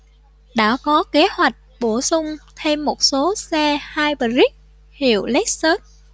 đã có kế hoạch bổ sung thêm một số xe hybrid hiệu lexus